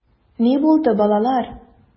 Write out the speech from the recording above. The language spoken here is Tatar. Ни булды, балалар?